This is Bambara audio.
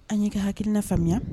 An ɲɛ kɛ hakiina faamuya